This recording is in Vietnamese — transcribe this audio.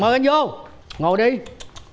mời anh vô ngồi đi